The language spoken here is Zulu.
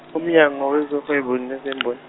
uMnyango wezoHwebo neziMbon-.